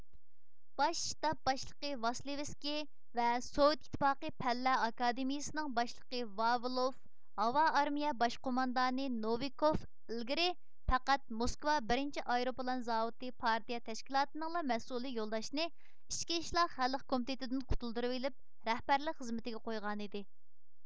باش شتاب باشلىقى ۋاسلېيۋىسكىي ۋە سوۋېت ئىتتىپاقى پەنلەر ئاكادېمىيىسىنىڭ باشلىقى ۋاۋىلوف ھاۋا ئارمىيە باش قوماندانى نوۋىكوف ئىلگىرى پەقەت موسكۋا بىرىنچى ئايروپىلان زاۋۇتى پارتىيە تەشكىلاتىنىڭلا مەسئۇلى يولداشنى ئىچكى ئىشلار خەلق كومىتېتىدىن قۇتۇلدۇرۇۋېلىپ رەھبەرلىك خىزمىتىگە قويغانىدى